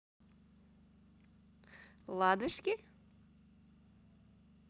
ладушки